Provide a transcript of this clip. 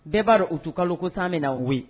Bɛɛ b'a dɔn Wutuu kalo ko sa min na wu